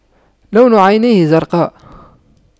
لون عينيه زرقاء